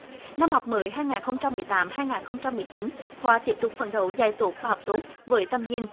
năm học mới hai ngàn không trăm mười tám hai ngàn không trăm mười chín khoa tiếp tục phấn đấu dạy tốt học tốt với tầm nhìn